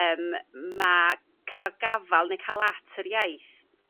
yym ma' ca'l gafal neu ca'l at yr iaith